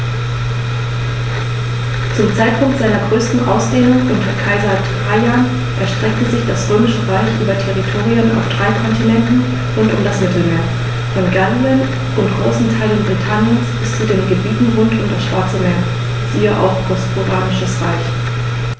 Zum Zeitpunkt seiner größten Ausdehnung unter Kaiser Trajan erstreckte sich das Römische Reich über Territorien auf drei Kontinenten rund um das Mittelmeer: Von Gallien und großen Teilen Britanniens bis zu den Gebieten rund um das Schwarze Meer (siehe auch Bosporanisches Reich).